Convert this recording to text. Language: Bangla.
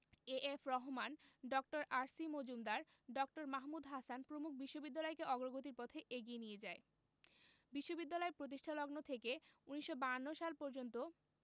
এ.এফ রহমান ড. আর.সি মজুমদার ড. মাহমুদ হাসান প্রমুখ এ বিশ্ববিদ্যালয়কে অগ্রগতির পথে এগিয়ে নিয়ে যায় বিশ্ববিদ্যালয় প্রতিষ্ঠালগ্ন থেকে ১৯৫২ সাল পর্যন্ত